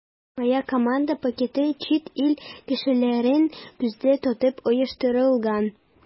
“моя команда” пакеты чит ил кешеләрен күздә тотып оештырылган.